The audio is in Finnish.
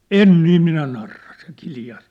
en niin minä narraa se kiljaisi